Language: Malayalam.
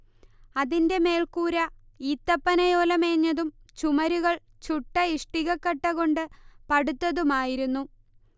അതിന്റെ മേൽക്കൂര ഈത്തപ്പനയോല മേഞ്ഞതും ചുമരുകൾ ചുട്ട ഇഷ്ടിക കട്ട കൊണ്ട് പടുത്തതുമായിരുന്നു